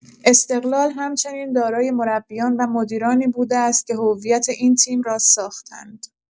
استقلال همچنین دارای مربیان و مدیرانی بوده است که هویت این تیم را ساختند.